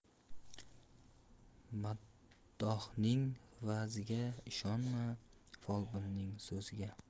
maddohning va'ziga ishonma folbinning so'ziga